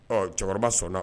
Ɔ cɛkɔrɔba sɔnna